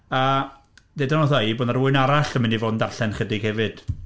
A ddeudon nhw wrtha i bod 'na rywun arall yn mynd i fod yn darllen chydig hefyd.